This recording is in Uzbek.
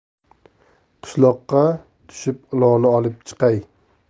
qishloqqa tushib ulovni olib chiqay